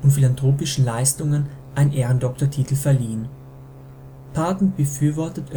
philantropischen Leistungen ein Ehrendoktortitel verliehen. Parton befürwortet